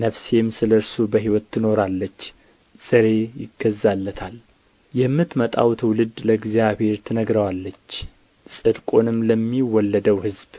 ነፍሴም ስለ እርሱ በሕይወት ትኖራለች ዘሬ ይገዛለታል የምትመጣው ትውልድ ለእግዚአብሔር ትነግረዋለች ጽድቁንም ለሚወለደው ሕዝብ